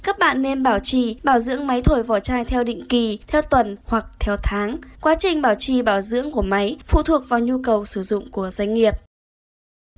các bạn nên bảo trì bảo dưỡng máy thổi vỏ chai định kì theo tuần hoặc theo tháng quá trình bảo trì bảo dưỡng máy cũng phụ thuộc vào nhu cầu sử dụng của doanh nghiệp